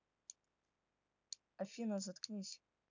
афина заткнись